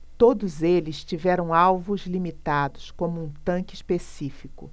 todos eles tiveram alvos limitados como um tanque específico